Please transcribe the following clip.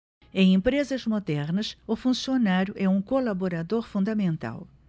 em empresas modernas o funcionário é um colaborador fundamental